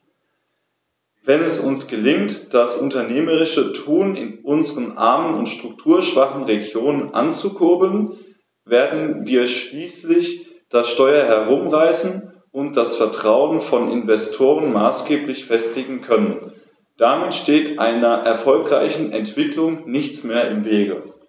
Wenn es uns gelingt, das unternehmerische Tun in unseren armen und strukturschwachen Regionen anzukurbeln, werden wir schließlich das Steuer herumreißen und das Vertrauen von Investoren maßgeblich festigen können. Damit steht einer erfolgreichen Entwicklung nichts mehr im Wege.